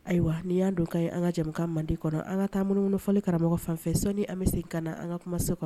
Ayiwa n'i y'a don ka an ka jamana mande kɔnɔ an ka taa minnuumunufɔli karamɔgɔ fanfɛ sɔn an bɛ sen ka an ka kuma se kɔnɔ